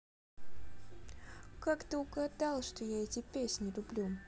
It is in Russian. как ты угадал что я эти песни люблю